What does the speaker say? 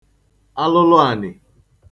alụlụànị